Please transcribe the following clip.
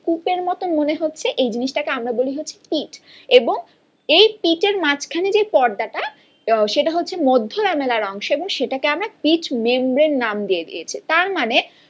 কুপের মত মনে হচ্ছে এই জিনিসটাকে আমরা বলি হচ্ছে পিট এবং এই পিটের মাঝখানে যে পর্দাটা সেটা হচ্ছে মধ্য লামেলার অংশ এবং সেটা কেন পিট মেমব্রেন নাম দিয়ে দিয়েছি তার মানে